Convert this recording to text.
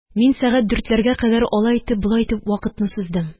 Мин сәгать дүртләргә кадәр алай итеп, болай итеп вакытны суздым.